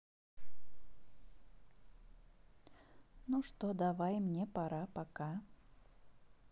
ну что давай мне пора пока